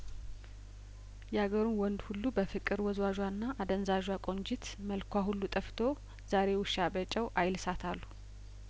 ያገሩን ወንድ ሁሉ በፍቅር ወዝ ዋዧና አደን ዛዧ ቆንጂት መልኳ ሁሉ ጠፍቶ ዛሬ ውሻ በጨው አይል ሳት አሉ